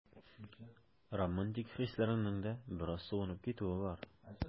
Романтик хисләреңнең дә бераз суынып китүе бар.